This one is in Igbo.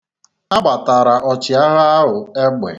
A gbatara ọchịagha ahụ egbe.